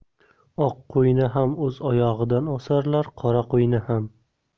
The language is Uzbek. oq qo'yni ham o'z oyog'idan osarlar qora qo'yni ham